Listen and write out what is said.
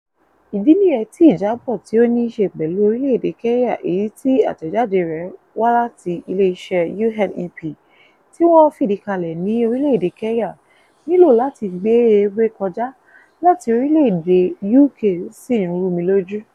Ìdí nìyẹn tí ìjábọ̀ tí ó níí ṣe pẹ̀lú orílẹ̀ èdè Kenya èyí tí àtẹ̀jáde rẹ̀ wá láti ilé iṣẹ́ (UNEP) tí wọ́n fìdí kalẹ̀ ní orílẹ̀ èdè Kenya nílò láti gbee rékọjá láti orílẹ̀ èdè UK sì ń rú mi lójú.